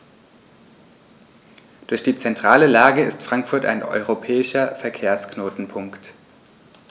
Durch die zentrale Lage ist Frankfurt ein europäischer Verkehrsknotenpunkt.